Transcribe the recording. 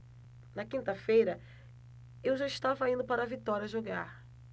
na quinta-feira eu já estava indo para vitória jogar